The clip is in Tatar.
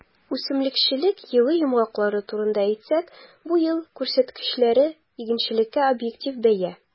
Үсемлекчелек елы йомгаклары турында әйтсәк, бу ел күрсәткечләре - игенчелеккә объектив бәя.